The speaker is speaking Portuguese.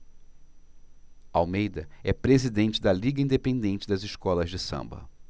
almeida é presidente da liga independente das escolas de samba